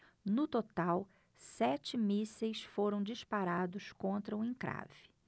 no total sete mísseis foram disparados contra o encrave